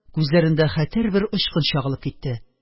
Күзләрендә хәтәр бер очкын чагылып китте